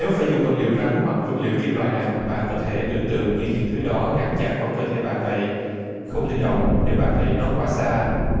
nếu phải dùng vật liệu rắn hoặc vật liệu kim loại nặng bạn có thể tưởng tượng như những thứ đó gắn chặt vào cơ thể bạn vậy không linh động nếu bạn đẩy nó quá xa